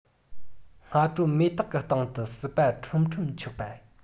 སྔ དྲོ མེ ཏོག གི སྟེང དུ ཟིལ པ ཕྲོམ ཕྲོམ ཆགས པ